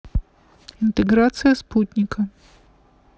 интеграция спутника